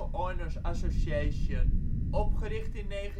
Owners Association), opgericht in 1990